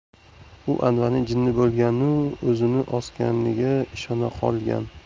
u anvarning jinni bo'lganu o'zini osganiga ishona qolgan